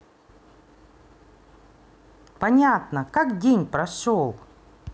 понятно как день прошел